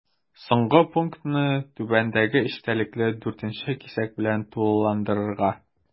Соңгы пунктны түбәндәге эчтәлекле 4 нче кисәк белән тулыландырырга.